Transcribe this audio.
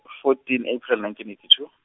fourteen April nineteen eighty two.